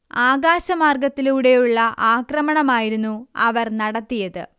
ആകാശമാർഗ്ഗത്തിലൂടെയുള്ള ആക്രമണമായിരുന്നു അവർ നടത്തിയത്